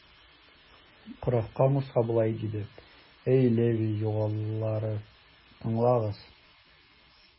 Корахка Муса болай диде: Әй Леви угыллары, тыңлагыз!